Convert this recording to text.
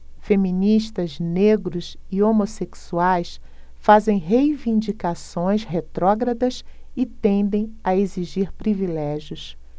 feministas negros e homossexuais fazem reivindicações retrógradas e tendem a exigir privilégios